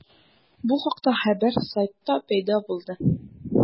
Бу хакта хәбәр сайтта пәйда булды.